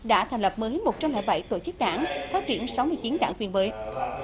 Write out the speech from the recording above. đã thành lập mới một trăm lẻ bảy tổ chức đảng phát triển sáu mươi chín đảng viên mới